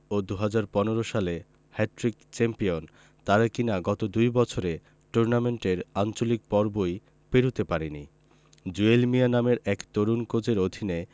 ও ২০১৫ সালে hat trick champion তারা কিনা গত দুই বছরে টুর্নামেন্টের আঞ্চলিক পর্বই পেরোতে পারেনি জুয়েল মিয়া নামের এক তরুণ কোচের অধীনে